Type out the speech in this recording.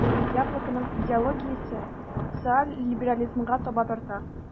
"яблоко"ның идеологиясе социаль либерализмга таба тарта.